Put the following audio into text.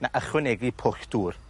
na ychwanegu pwll dŵr?